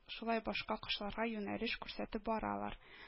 Шулай башка кошларга юнәлеш күрсәтеп баралар